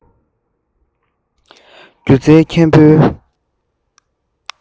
སྒྱུ རྩལ མཁན པོའི